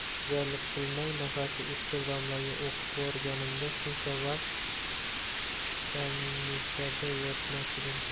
o'jarlik qilmay nafasi o'tkir domlaga o'qitvorganimda shuncha vaqt bannisada yotmasiding